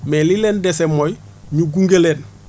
mais li leen dese mooy ñu gunge leen